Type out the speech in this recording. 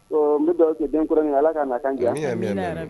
Ɔ n bɛ dɔw kɛ denɔrɔn ye ala ka na kan kɛ